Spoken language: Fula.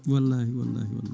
wallahi wallahi wallahi